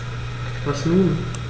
Was nun?